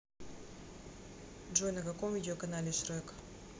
джой на каком видеоканале шрек